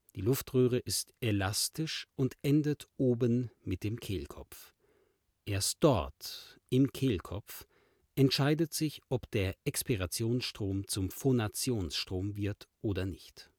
Luftröhre ist elastisch und endet oben mit dem Kehlkopf. Erst dort, im Kehlkopf, entscheidet sich, ob der Exspirationsstrom zum Phonationsstrom wird oder nicht